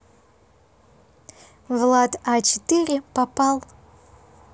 влад а четыре попал